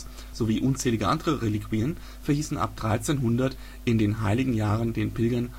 1300 in den Heiligen Jahren den Pilgern